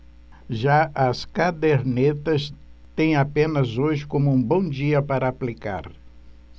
já as cadernetas têm apenas hoje como um bom dia para aplicar